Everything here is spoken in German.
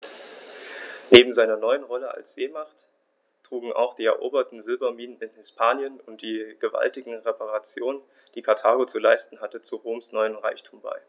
Neben seiner neuen Rolle als Seemacht trugen auch die eroberten Silberminen in Hispanien und die gewaltigen Reparationen, die Karthago zu leisten hatte, zu Roms neuem Reichtum bei.